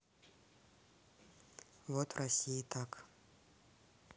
вот в россии так